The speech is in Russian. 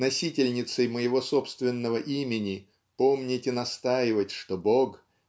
носительницей моего собственного имени помнить и настаивать что Бог